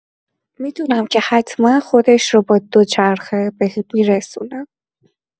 می‌دونم که حتما خودش رو با دوچرخه بهم می‌رسونه.